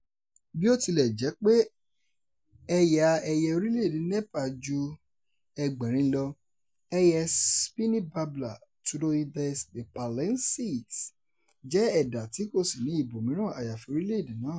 Bí-ó-ti-lẹ-jẹ́-pé ẹ̀yà ẹyẹ orílẹ̀ èdè Nepal ju 800 lọ, ẹyẹ Spiny Babbler (Turdoides nipalensis) jẹ́ ẹ̀dá tí kò sí ní ibòmíràn àyàfi orílẹ̀ èdè náà.